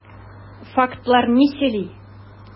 Фактлар ни сөйли?